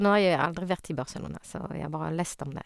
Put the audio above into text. Nå har jeg aldri vært i Barcelona, så jeg har bare lest om det.